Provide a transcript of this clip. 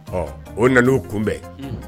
Ɔ o nan kunbɛn